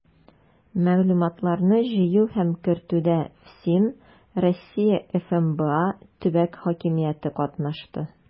Мәгълүматларны җыю һәм кертүдә ФСИН, Россия ФМБА, төбәк хакимияте катнашты.